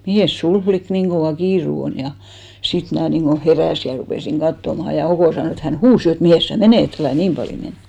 mihinkäs sinulla likka niin kova kiire on ja sitten minä niin kuin heräsin ja rupesin katsomaan ja Oko sanoi että hän huusi jo että mihinkäs sinä menet älä niin paljon mene